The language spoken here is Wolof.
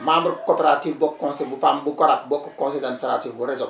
membre coopérative bokk conseil bu PAM bu Corap bokk conseil d' administrative bu Resop